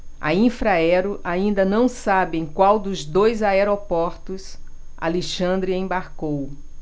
a infraero ainda não sabe em qual dos dois aeroportos alexandre embarcou